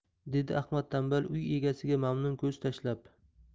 dedi ahmad tanbal uy egasiga mamnun ko'z tashlab